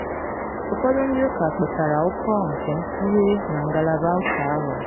Ụfọdụ ndị ụka kpesara ụkọ nke mkpughe na ngalaba ụka ahụ.